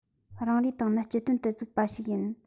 རང རེའི ཏང ནི སྤྱི དོན དུ བཙུགས པ ཞིག ཡིན